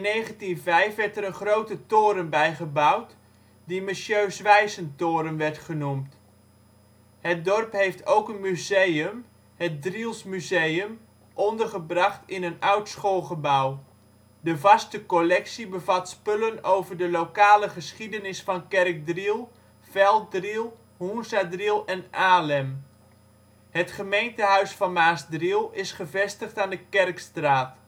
1905 werd er een grote toren bijgebouwd, die mgr. Zwijsentoren werd genoemd. Het dorp heeft ook een museum, het Driels Museum, ondergebracht in een oud schoolgebouw. De vaste collectie bevat spullen over de lokale geschiedenis van Kerkdriel, Velddriel, Hoenzadriel en Alem. Het gemeentehuis van Maasdriel is gevestigd aan de Kerkstraat